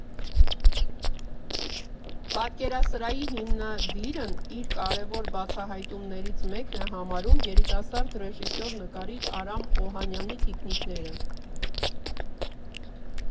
Պատկերասրահի հիմնադիրն իր կարևոր բացահայտումներից մեկն է համարում երիտասարդ ռեժիսոր, նկարիչ Արամ Օհանյանի տիկնիկները։